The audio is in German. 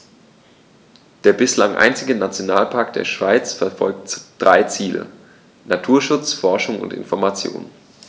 Der bislang einzige Nationalpark der Schweiz verfolgt drei Ziele: Naturschutz, Forschung und Information.